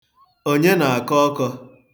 Onye na-akọ ọkọ?